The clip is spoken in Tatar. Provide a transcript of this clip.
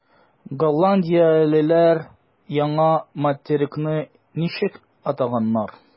Голландиялеләр яңа материкны ничек атаганнар?